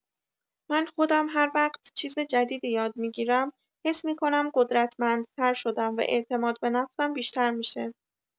من خودم هر وقت چیز جدیدی یاد می‌گیرم، حس می‌کنم قدرتمندتر شدم و اعتماد به نفسم بیشتر می‌شه.